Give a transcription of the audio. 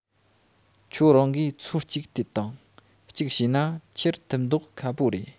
ཁྱོད རང གིས ཚོད ཅིག ལྟོས དང གཅིག བྱས ན འཁྱེར ཐུབ མདོག ཁ པོ རེད